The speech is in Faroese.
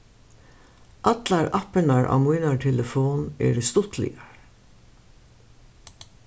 allar appirnar á mínari telefon eru stuttligar